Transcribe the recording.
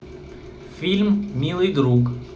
фильм милый друг